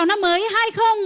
năm